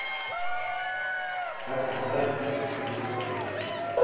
как собрать удочку без катушки